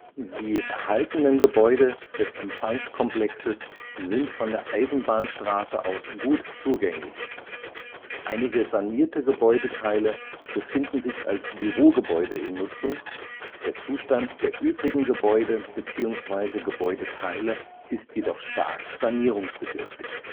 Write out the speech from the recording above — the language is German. Die erhaltenen Gebäude des Empfangskomplexes sind von der Eisenbahnstraße aus gut zugänglich. Einige sanierte Gebäudeteile befinden sich als Bürogebäude in Nutzung, der Zustand der übrigen Gebäude beziehungsweise Gebäudeteile ist jedoch stark sanierungsbedürftig